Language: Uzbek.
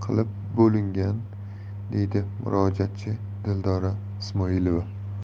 qilib bo'lingan deydi murojaatchi dildora ismoilova